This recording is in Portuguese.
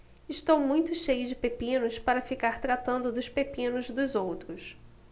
estou muito cheio de pepinos para ficar tratando dos pepinos dos outros